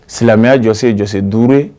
Silamɛya jɔse jɔ duuru